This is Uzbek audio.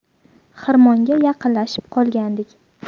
xirmonga yaqinlashib qolgandik